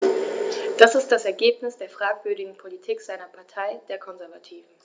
Das ist das Ergebnis der fragwürdigen Politik seiner Partei, der Konservativen.